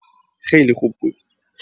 خیلی خوب بود.